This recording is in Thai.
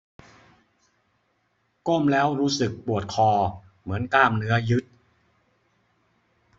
ก้มแล้วรู้สึกปวดคอเหมือนกล้ามเนื้อยึด